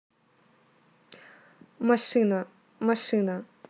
машина машина